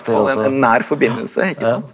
fall en nær forbindelse ikke sant.